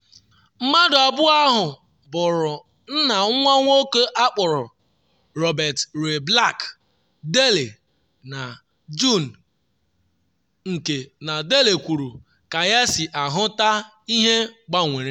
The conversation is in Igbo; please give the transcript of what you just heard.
Mmadụ abụọ ahụ bụrụ nna nwa nwoke akpọrọ Robert Ray Black-Daley na Juun- nke na Daley kwuru na “ka ya si ahụta ihe” gbanwere.